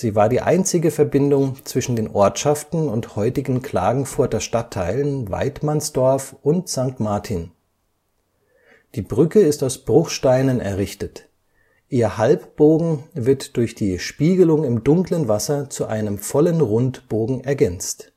war die einzige Verbindung zwischen den Ortschaften und heutigen Klagenfurter Stadtteilen Waidmannsdorf und St. Martin. Die Brücke ist aus Bruchsteinen errichtet, ihr Halbbogen wird durch die Spiegelung im dunklen Wasser zu einem vollen Rundbogen ergänzt